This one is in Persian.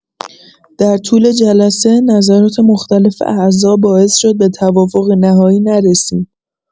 در طول جلسه، نظرات مختلف اعضا باعث شد به توافق نهایی نرسیم.